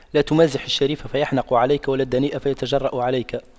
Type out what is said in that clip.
لا تمازح الشريف فيحنق عليك ولا الدنيء فيتجرأ عليك